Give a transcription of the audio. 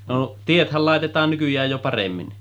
no tiethän laitetaan nykyään jo paremmin